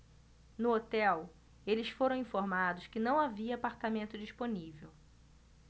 no hotel eles foram informados que não havia apartamento disponível